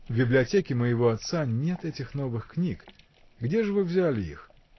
— В библиотеке моего отца нет этих новых книг: где же вы взяли их?